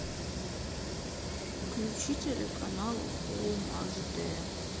включи телеканал хоум аш дэ